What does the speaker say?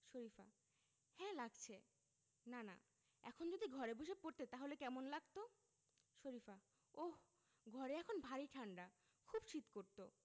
শরিফা হ্যাঁ লাগছে নানা এখন যদি ঘরে বসে পড়তে তাহলে কেমন লাগত শরিফা ওহ ঘরে এখন ভারি ঠাণ্ডা খুব শীত করত